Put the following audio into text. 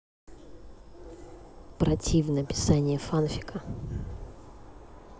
противно описание фанфика